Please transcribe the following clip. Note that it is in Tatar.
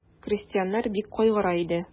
Крестьяннар бик кайгыра иде.